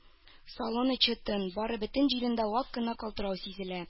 Салон эче тын, бары бөтен җирендә вак кына калтырау сизелә